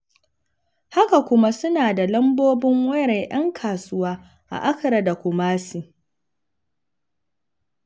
Haka kuma suna da lambobin wayar 'yan kasuwa a Accra da Kumasi.